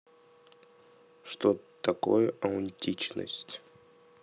что такое аутентичность